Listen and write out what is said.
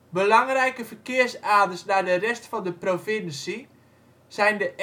Belangrijke verkeersaders naar de rest van de provincie zijn de